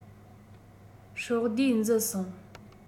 སྲོག བསྡོས འཛུལ སོང